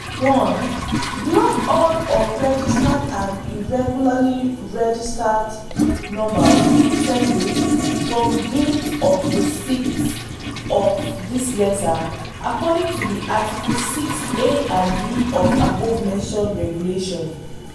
1-Block all unregistered and irregularly registered numbers within 10 days from the date of receipt of this letter, according to the Article 6 (a) and (b) of the above mentioned Regulation.